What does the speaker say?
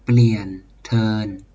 เปลี่ยนเทิร์น